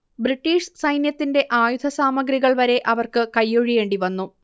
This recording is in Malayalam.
ബ്രിട്ടീഷ് സൈന്യത്തിന്റെ ആയുധസാമഗ്രികൾ വരെ അവർക്ക് കൈയ്യൊഴിയേണ്ടി വന്നു